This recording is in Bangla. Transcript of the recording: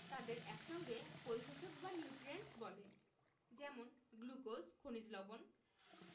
তাদের এক সঙ্গে পরিশোষক বা নিউট্রিয়েন্টস বলে যেমন গ্লুকোজ খনিজ লবন